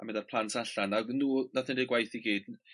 a mynd a'r plant allan ag nhw nathon nhw gwaith i gyd.